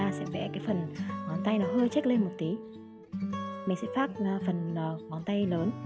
thì chúng ta sẽ vẽ phần nắm tay hơi chếch lên một tí mình đang phác phần khối tay lớn